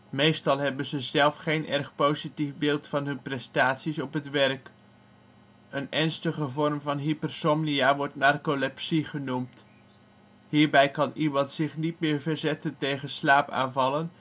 Meestal hebben ze zelf geen erg positief beeld van hun prestaties op het werk. Een ernstige vorm van hypersomnia wordt narcolepsie genoemd. Hierbij kan iemand zich niet meer verzetten tegen slaapaanvallen